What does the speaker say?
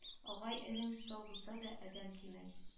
Агай-энең сау булса да адәм тимәс